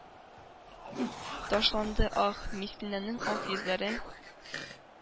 Ташланды, ах! Мискинәнең ак йөзләре